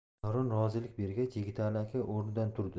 davron rozilik bergach yigitali aka o'rnidan turdi